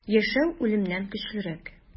Яшәү үлемнән көчлерәк.